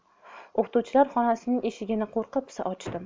o'qituvchilar xonasining eshigini qo'rqa pisa ochdim